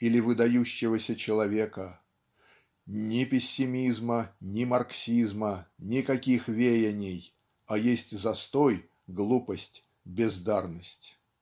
или выдающегося человека" "ни пессимизма ни марксизма никаких веяний а есть застой глупость бездарность"